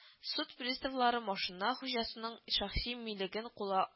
Суд приставлары машина хуҗасының шәхси милеген кула